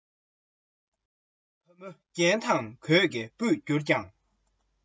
ངོ ཚ མེད པའི མི དེ དུད འགྲོ རེད